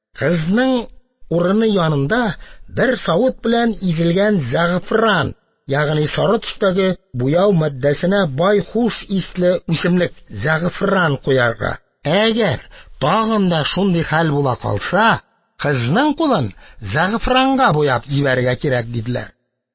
Кызның урыны янына бер савыт белән изелгән зәгъфран, ягъни сары төстәге буяу матдәсенә бай хуш исле үсемлек - зәгъфран куярга, әгәр тагын да шундый хәл була калса, кызның кулын зәгъфранга буяп җибәрергә кирәк», – диделәр.